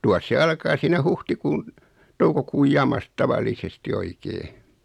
tuossa se alkaa siinä huhtikuun toukokuun jamassa tavallisesti oikein